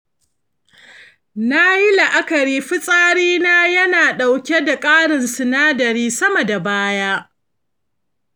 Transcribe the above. nayi la'akari fitsarina ya na ɗauke da ƙarin sinadarai sama da baya.